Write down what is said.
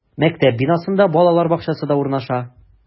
Мәктәп бинасында балалар бакчасы да урнаша.